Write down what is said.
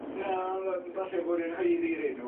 Na ma'n falle bod e'n haeddu'r enw.